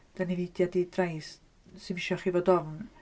Dan ni'n fudiad di-drais. Does yna ddim isio chi fod ofn.